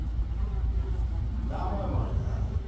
домой можно